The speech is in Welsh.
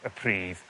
y pridd